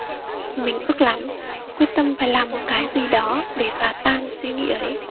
mình ức lắm quyết tâm phải làm một cái gì đó để phá tan suy nghĩ ấy